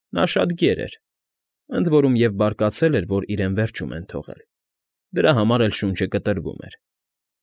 Նա շատ գեր էր, ընդ որում և բարկացել էր, որ իրեն վերջում են թողել, դրա համար էլ շունչը կտրվում էր։